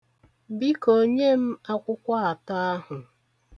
Biko nye m akwụkwọ atọ ahụ.